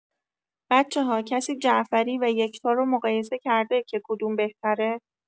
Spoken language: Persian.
بچه‌ها کسی جعفری و یکتا رو مقایسه کرده که کدوم بهتره؟